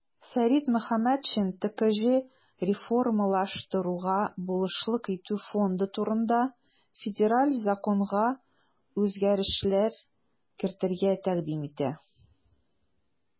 Фәрит Мөхәммәтшин "ТКҖ реформалаштыруга булышлык итү фонды турында" Федераль законга үзгәрешләр кертергә тәкъдим итә.